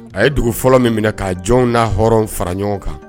A ye dugu fɔlɔ min minɛ ka jɔn na hɔrɔn fara ɲɔgɔn kan